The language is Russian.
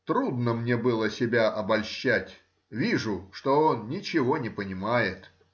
Трудно мне было себя обольщать: вижу, что он ничего не понимает.